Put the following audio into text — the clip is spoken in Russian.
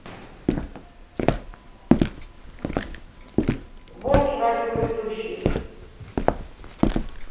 бомж радиоведущий